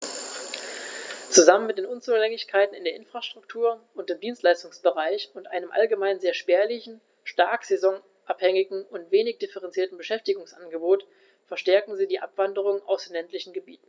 Zusammen mit den Unzulänglichkeiten in der Infrastruktur und im Dienstleistungsbereich und einem allgemein sehr spärlichen, stark saisonabhängigen und wenig diversifizierten Beschäftigungsangebot verstärken sie die Abwanderung aus den ländlichen Gebieten.